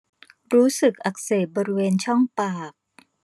รู้สึกอักเสบบริเวณช่องปาก